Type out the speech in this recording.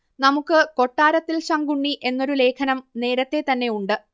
നമുക്ക് കൊട്ടാരത്തിൽ ശങ്കുണ്ണി എന്നൊരു ലേഖനം നേരത്തേ തന്നെ ഉണ്ട്